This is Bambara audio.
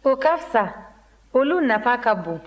o ka fisa olu nafa ka bon